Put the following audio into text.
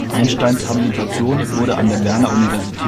Einsteins Habilitation wurde an der Berner Universität